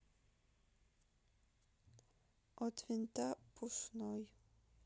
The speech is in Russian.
от винта пушной